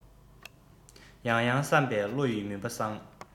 ཡང ཡང བསམ པས བློ ཡི མུན པ སངས